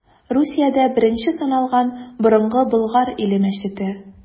Русиядә беренче саналган Борынгы Болгар иле мәчете.